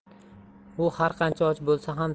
u har qancha och bo'lsa ham